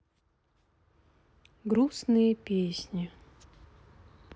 грустные песни